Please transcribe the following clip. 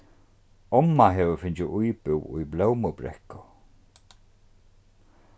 omma hevur fingið íbúð í blómubrekku